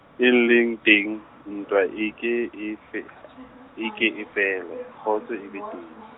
e leng teng ntwa e ke e fe, e ke e fele, kgotso e be teng.